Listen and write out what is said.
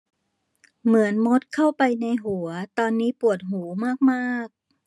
เหมือนมดเข้าไปในหัวตอนนี้ปวดหูมากมาก